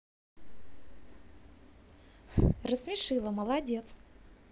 рассмешила молодец